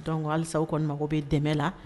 Dɔn halisa kɔni mago bɛ dɛmɛ la